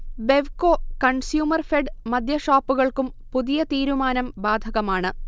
ബെവ്കോ, കൺസ്യൂമർഫെഡ് മദ്യഷാപ്പുകൾക്കും പുതിയ തീരുമാനം ബാധകമാണ്